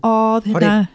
Oedd hynna.